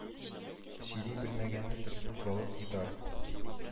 Сөйли белмәгәнне телсез балык йотар